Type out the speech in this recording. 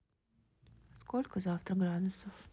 сколько завтра градусов